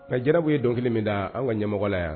Nka jaraw ye dɔnkili min da aw ka ɲɛmɔgɔ la yan